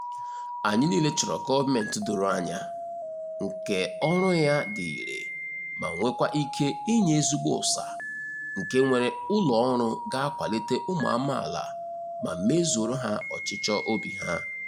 Anyị niile chọrọ gọọmenti doro anya, nke ọrụ ya dị irè ma nwekwa ike inye ezigbo ụ́sà - nke nwere ụlọ ọrụ ga-akwalite ụmụ amaala ma mezuoro ha ọchịchọ obi ha.